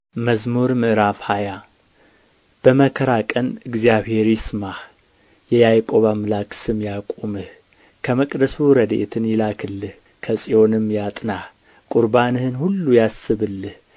መዝሙር ምዕራፍ ሃያ በመከራ ቀን እግዚአብሔር ይስማህ የያዕቆብ አምላክ ስም ያቁምህ ከመቅደሱ ረድኤትን ይላክልህ ከጽዮንም ያጥናህ ቍርባንህን ሁሉ ያስብልህ